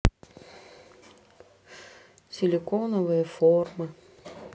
силиконовые формы